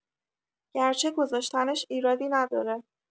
گرچه گذاشتنش ایرادی نداره